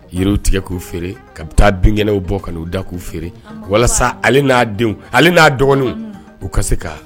Yiriw tigɛ k'u feere ka bɛ taa binkɛlaww bɔ ka' da k'u feere walasa ale n'a denw ale n'a dɔgɔnin u kasi se ka